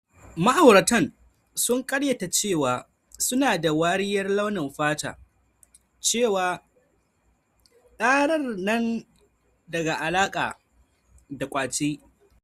Ma’auratan sun karyata cewa su na da wariyar launin fata, cewa karar na da alaka da “kwace”